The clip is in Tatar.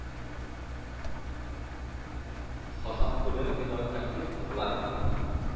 Хасан күле буендагы конфликт Кызыл армиянең